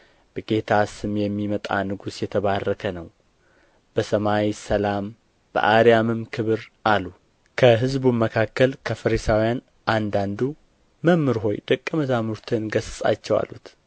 በጌታ ስም የሚመጣ ንጉሥ የተባረከ ነው በሰማይ ሰላም በአርያምም ክብር አሉ ከሕዝብም መካከል ከፈሪሳውያን አንዳንዱ መምህር ሆይ ደቀ መዛሙርትህን ገሥጻቸው አሉት